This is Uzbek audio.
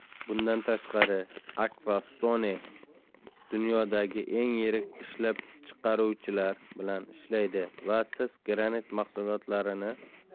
bundan tashqari akfa stone dunyodagi eng yirik ishlab chiqaruvchilar bilan ishlaydi va siz granit mahsulotlarini